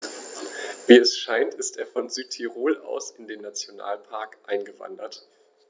Wie es scheint, ist er von Südtirol aus in den Nationalpark eingewandert.